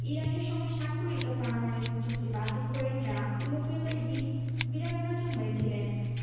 ইরানের সঙ্গে স্বাক্ষরিত পারমাণবিক চুক্তি বাতিল করে ট্রাম্প ইউরোপীয়দের বিরাগভাজন হয়েছিলেন